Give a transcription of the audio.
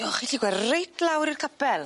O chi 'llu gwel reit lawr i'r capel.